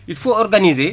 il faut organiser